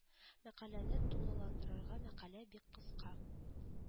Мәкаләне тулыландырырга мәкалә бик кыска